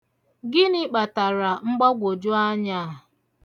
Gịnị kpatara mgbagwoju anya a?